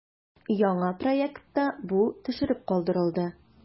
Яңа проектта бу төшереп калдырылды.